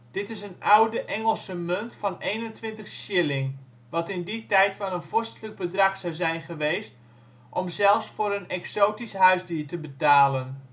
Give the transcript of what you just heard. Dit is een oude Engelse munt van 21 shilling, wat in die tijd wel een vorstelijk bedrag zou zijn geweest om zelfs voor een exotisch huisdier te betalen